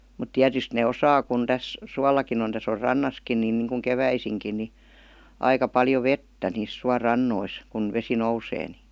mutta tietysti ne osaa kun tässä suollakin on tässä on rannassakin niin niin kuin keväisinkin niin aika paljon vettä niissä suorannoissa kun vesi nousee niin